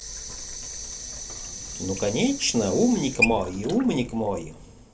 ну конечно умник мой умник мой